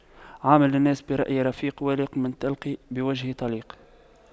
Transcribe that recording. عامل الناس برأي رفيق والق من تلقى بوجه طليق